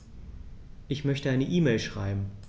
Ich möchte eine E-Mail schreiben.